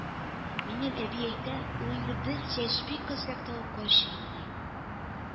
Минем әби әйтә, ул инде без чәчби кыз чакта ук карчык иде, ди